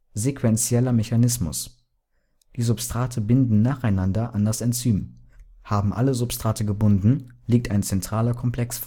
Sequenzieller Mechanismus Die Substrate binden nacheinander an das Enzym. Haben alle Substrate gebunden, liegt ein zentraler Komplex